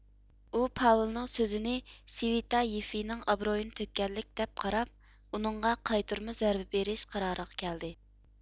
ئۇ پاۋېلنىڭ سۆزىنى سۋېتايېفنىڭ ئابرۇيىنى تۆككەنلىك دەپ قاراپ ئۇنىڭغا قايتۇرما زەربە بېرىش قارارىغا كەلدى